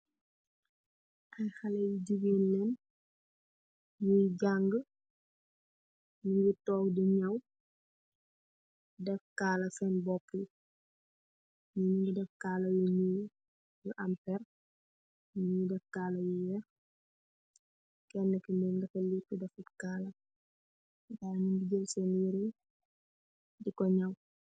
Ay xale yi jigeen lañge. Ñuy jàng, ñu ngi toog di ñaw, def kaala seen bopp. Ñyii ñu ngi def kaala yu ñuul, yu am per. Ñyii def kaala yu weex. Kenn ki mom dafa leetu, defut kaala waay mu ngi jal seen yiree di ko ñaw.